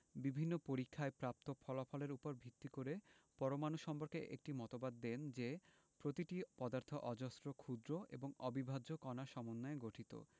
বিভিন্ন পরীক্ষায় প্রাপ্ত ফলাফলের উপর ভিত্তি করে পরমাণু সম্পর্কে একটি মতবাদ দেন যে প্রতিটি পদার্থ অজস্র ক্ষুদ্র এবং অবিভাজ্য কণার সমন্বয়ে গঠিত